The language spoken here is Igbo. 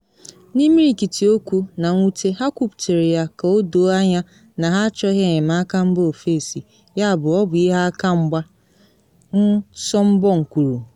“N’imirikiti okwu, na mwute, ha kwuputere ya ka o doo anya na ha achọghị enyemaka mba ofesi, yabụ ọ bụ ihe aka mgba, “Nw. Sumbung kwuru.